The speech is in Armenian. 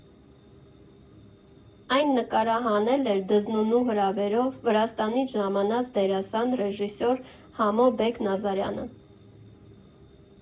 Այն նկարահանել էր Դզնունու հրավերով Վրաստանից ժամանած դերասան, ռեժիսոր Համո Բեկ֊Նազարյանը։